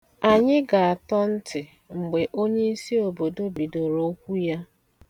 Anyị ga-atọ ntị mgbe onyiisi obodo bidoro okwu ya.